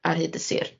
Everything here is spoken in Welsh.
Ar hyd y sir.